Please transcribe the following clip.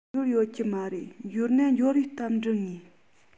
འབྱོར ཡོད ཀྱི མ རེད འབྱོར ན འབྱོར བའི གཏམ འབྲི ངེས